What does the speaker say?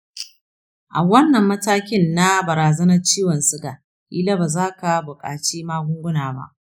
a wannan matakin na barazanar ciwon suga ƙila ba za ka buƙaci magunguna ba.